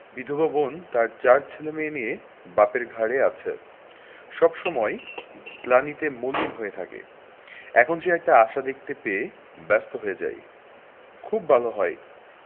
বিধবা বোন চার ছেলেমেয়ে নিয়ে বাপের ঘাড়ে আছে সব সময় গ্লানিতে মলিন হয়ে থাকে এখন সে একটা আশা দেখতে পেয়ে ব্যস্ত হয়ে যায় খুব ভালো হয়